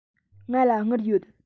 ང ལ དངུལ ཡོད